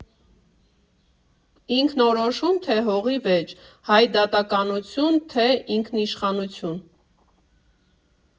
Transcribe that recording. Ինքնորոշո՞ւմ, թե՞ հողի վեճ, հայդատականություն, թե՞ ինքնիշխանություն։